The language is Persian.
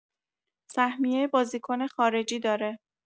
سهمیه بازیکن خارجی داره